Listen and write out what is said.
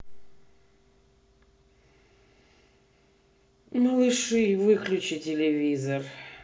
малыши выключи телевизор